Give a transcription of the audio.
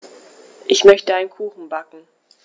Ich möchte einen Kuchen backen.